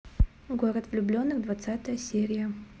город влюбленных двадцатая серия